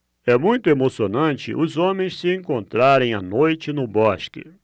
é muito emocionante os homens se encontrarem à noite no bosque